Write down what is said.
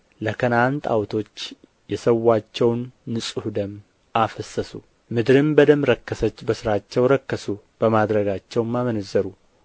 ለከነዓን ጣዖቶች የሠውአቸውን ንጹሕ ደም አፈሰሱ ምድርም በደም ረከሰች በሥራቸው ረከሱ በማድረጋቸውም አመነዘሩ